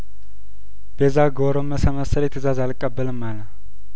ቤዛ ጐረመሰ መሰለኝ ትእዛዝ አልቀበልም አለ